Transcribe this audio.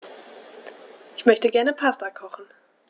Ich möchte gerne Pasta kochen.